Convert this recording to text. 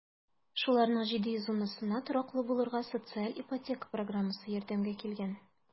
Шуларның 710-сына тораклы булырга социаль ипотека программасы ярдәмгә килгән.